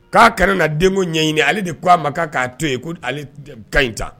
K'a kɛnɛ na den ɲɛɲini ale de ko aa ma' k'a to yen ko ale ka ɲi ta